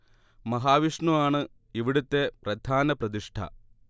മഹാവിഷ്ണു ആണ് ഇവിടത്തെ പ്രധാന പ്രതിഷ്ഠ